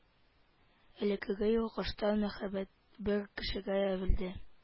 Элеккеге йолкыштан мәһабәт бер кешегә әверелде